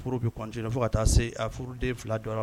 Furu bɛ cote fo ka taa se furuden fila dɔrɔn